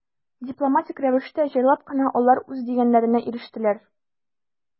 Дипломатик рәвештә, җайлап кына алар үз дигәннәренә ирешәләр.